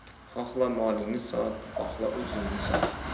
xohla molingni sot xohla o'zingni sot